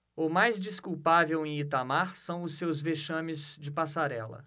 o mais desculpável em itamar são os seus vexames de passarela